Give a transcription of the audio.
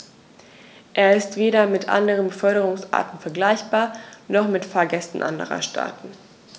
Er ist weder mit anderen Beförderungsarten vergleichbar, noch mit Fahrgästen anderer Staaten.